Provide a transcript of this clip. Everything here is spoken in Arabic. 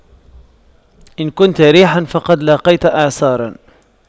إن كنت ريحا فقد لاقيت إعصارا